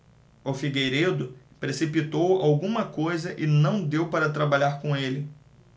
o figueiredo precipitou alguma coisa e não deu para trabalhar com ele